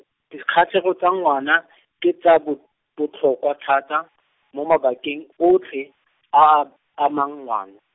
dikgatlhego tsa ngwana , ke tsa bo- botlhokwa thata , mo mabakeng otlhe , a a, amang ngwana.